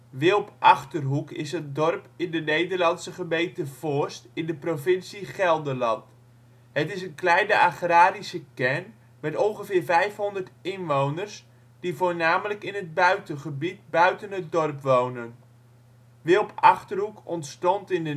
Wilp-Achterhoek is een dorp in de Nederlandse gemeente Voorst (provincie Gelderland). Het is een kleine agrarische kern, met ongeveer 500 inwoners die voornamelijk in het buitengebied buiten het dorp wonen. Wilp-Achterhoek ontstond in